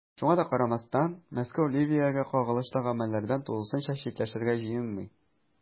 Шуңа да карамастан, Мәскәү Ливиягә кагылышлы гамәлләрдән тулысынча читләшергә җыенмый.